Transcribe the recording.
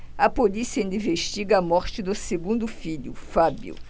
a polícia ainda investiga a morte do segundo filho fábio